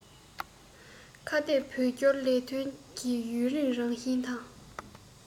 ཁ གཏད བོད སྐྱོར ལས དོན གྱི ཡུན རིང རང བཞིན དང